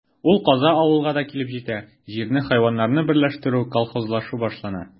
Ул каза авылга да килеп җитә: җирне, хайваннарны берләштерү, колхозлашу башлана.